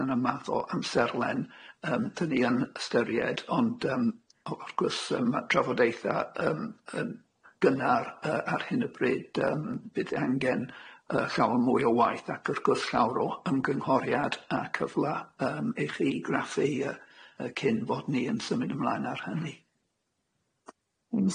Dyna math o amserlen yym 'dy ni yn ystyried ond yym o- wrth gwrs yym ma' trafodeutha yym yn gynnar yy ar hyn o bryd yym bydd angen yy llawer mwy o waith ac wrth gwrs llawer o ymgynghoriad a cyfla yym i chi graffu yy yy cyn fod ni yn symud ymlaen ar hynny.